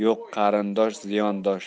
yo'q qarindosh ziyondosh